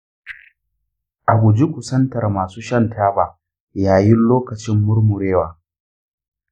a guji kusantar masu shan taba yayin lokacin murmurewa.